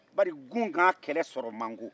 bari gunnkan kɛlɛ sɔrɔ man go